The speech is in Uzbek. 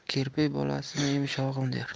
kirpi bolasini yumshog'im der